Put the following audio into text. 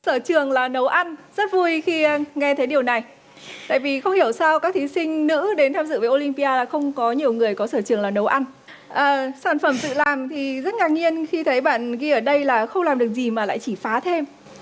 sở trường là nấu ăn rất vui khi nghe thấy điều này tại vì không hiểu sao các thí sinh nữ đến tham dự với ô lim pi a không có nhiều người có sở trường là nấu ăn ờ sản phẩm tự làm thì rất ngạc nhiên khi thấy bạn ghi ở đây là không làm được gì mà lại chỉ phá thêm